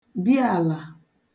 bi àlà